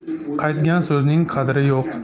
qaytgan so'zning qadri yo'q